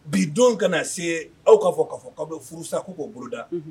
Bi don ka na se aw k'a fɔ k'a fɔ k'aw bɛ furusa ko k'o boloda, unhun